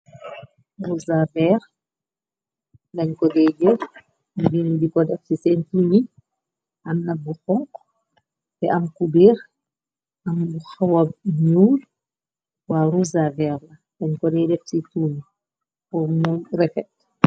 Rosaaver dañ ko dey jël jigéen ñi di ko dey jël, di ko def si seen tuñ yi, am na bu xonx, te am kubeer, am lu xawa ñuul, waaw, rosaaver la dañ ko dey def ci tuñ pur mu refet.